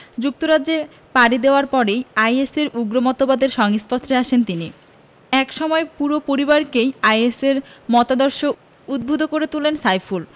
যুক্তরাজ্যে পাড়ি দেওয়ার পরই আইএসের উগ্র মতবাদের সংস্পর্শে আসেন তিনি একসময় পুরো পরিবারকেই আইএসের মতাদর্শ উদ্বুধ করে তোলেন সাইফুল